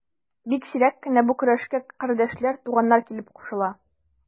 Бик сирәк кенә бу көрәшкә кардәшләр, туганнар килеп кушыла.